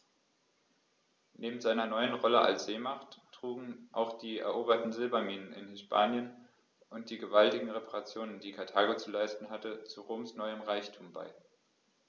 Neben seiner neuen Rolle als Seemacht trugen auch die eroberten Silberminen in Hispanien und die gewaltigen Reparationen, die Karthago zu leisten hatte, zu Roms neuem Reichtum bei.